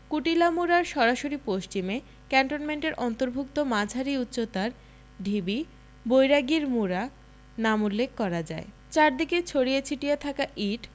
কুটিলা মুড়ার সরাসরি পশ্চিমে ক্যান্টনমেন্টের অন্তর্ভুক্ত মাঝারি উচ্চতার ঢিবি বৈরাগীর মুড়ার নাম উল্লেখ করা যায় চারদিকে ছড়িয়ে ছিটিয়ে থাকা ইট